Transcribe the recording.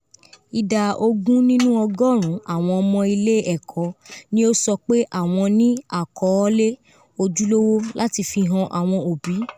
Ida ogun nínú ọgorun awọn ọmọ ile ẹkọ ni o sọ pe awọn ni akọọlẹ ‘’ojulowo’’ lati fi han awọn obi